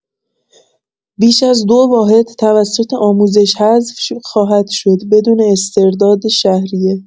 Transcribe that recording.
بیش از دو واحد توسط آموزش حذف خواهد شد، بدون استرداد شهریه